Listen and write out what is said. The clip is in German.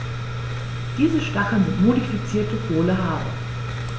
Diese Stacheln sind modifizierte, hohle Haare.